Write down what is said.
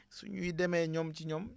su ñuy demee ñoom ci ñoom